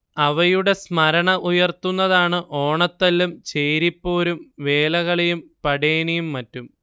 അവയുടെ സ്മരണ ഉണർത്തുന്നതാണ് ഓണത്തല്ലും ചേരിപ്പോരും വേലകളിയും പടേനിയും മറ്റും